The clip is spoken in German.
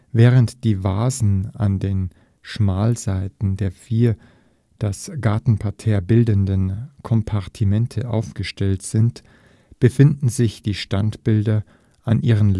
Während die Vasen an den Schmalseiten der vier das Gartenparterre bildenden Kompartimente aufgestellt sind, befinden sich die Standbilder an ihren